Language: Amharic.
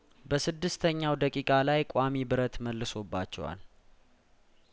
በስድስተኛው ደቂቃ ላይ ቋሚ ብረት መልሶባቸዋል